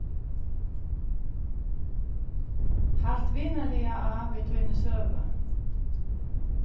halt vinarliga á við tíni søgu